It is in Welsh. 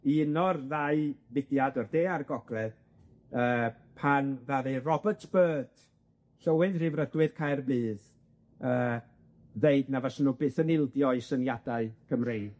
i uno'r ddau fudiad o'r De a'r Gogledd, yy pan ddaru Robert Byrd, Llywydd Rhyddfrydwyr Caerdydd, yy ddeud na fyswn nw byth yn ildio i syniadau Cymreig.